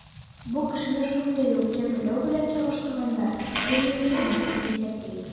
Бу кешене шундый ук җәберләү белән чагыштырганда берни тормый, дип исәпли.